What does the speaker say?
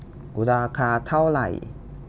ราคาเท่าไหร่